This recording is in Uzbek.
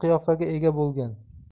qiyofaga ega bo'lgan